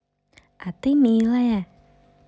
а ты милая